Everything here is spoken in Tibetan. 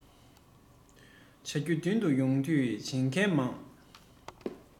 བྱ རྒྱུ མདུན དུ ཡོད དུས བྱེད མཁན མང